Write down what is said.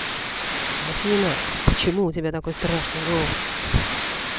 афина почему у тебя такой страшный голос